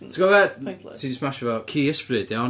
Ti'n gwybod be... pointless ...ti 'di smasho fo, ci ysbryd, iawn.